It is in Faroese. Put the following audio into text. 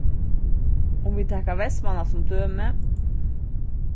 um vit taka vestmanna sum dømi